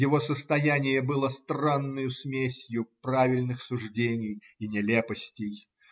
Его состояние было странною смесью правильных суждений и нелепостей.